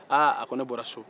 aa a ko ne bɔra so